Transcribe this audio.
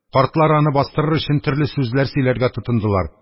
Картлар, аны бастырыр өчен, төрле сүзләр сөйләргә тотындылар.